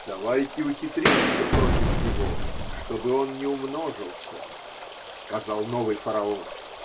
Давайте ухитримся против него, чтобы он не умножился, – сказал новый фараон.